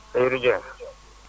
Seydou Dieng